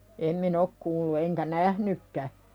en minä ole kuullut enkä nähnytkään